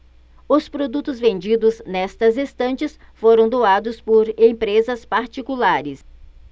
os produtos vendidos nestas estantes foram doados por empresas particulares